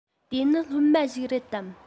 དེ ནི སློབ མ ཞིག རེད དམ